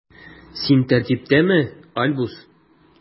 Син тәртиптәме, Альбус?